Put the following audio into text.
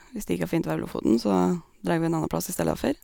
Hvis det ikke er fint vær i Lofoten, så dræg vi en anna plass i stella for.